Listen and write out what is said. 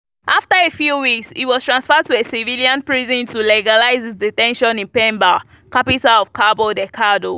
After a few weeks, he was transferred to a civilian prison to legalize his detention in Pemba, capital of Cabo Delgado .